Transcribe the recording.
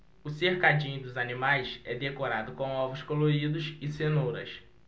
o cercadinho dos animais é decorado com ovos coloridos e cenouras